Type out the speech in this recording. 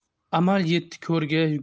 amal yetdi ko'rga